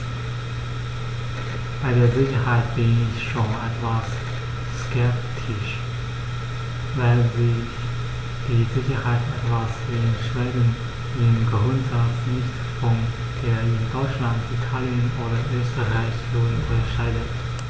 Bei der Sicherheit bin ich schon etwas skeptisch, weil sich die Sicherheit etwa in Schweden im Grundsatz nicht von der in Deutschland, Italien oder Österreich unterscheidet.